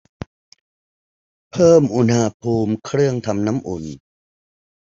เพิ่มอุณหภูมิเครื่องทำน้ำอุ่น